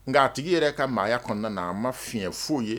Nka a tigi yɛrɛ ka maaya kɔnɔna na a ma fi foyi ye